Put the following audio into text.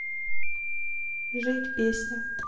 жить песня